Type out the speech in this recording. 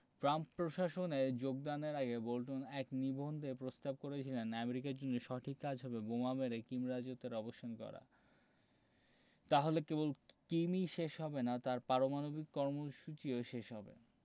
Trump প্রশাসনে যোগদানের আগে বোল্টন এক নিবন্ধে প্রস্তাব করেছিলেন আমেরিকার জন্য সঠিক কাজ হবে বোমা মেরে কিম রাজত্বের অবসান করা তাহলে কেবল কিমই শেষ হবে না তাঁর পারমাণবিক কর্মসূচিও শেষ হবে